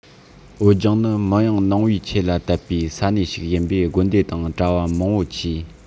བོད ལྗོངས ནི དམངས ཡོངས ནང བའི ཆོས ལ དད པའི ས གནས ཤིག ཡིན པས དགོན སྡེ དང གྲྭ བ མང བོ མཆིས